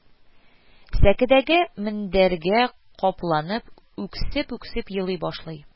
Сәкедәге мендәргә капланып үксеп-үксеп елый башлый